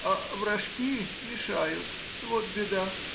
а вражки мешают,— вот беда!